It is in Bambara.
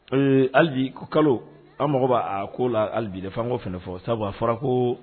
Hali ko kalo an mago' a ko la alibi de fanko fana fɔ sabu fara ko